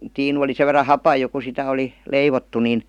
tiinu oli sen verran hapan jo kun sitä oli leivottu niin